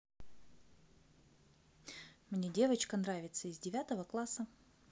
мне девочка нравится из девятого класса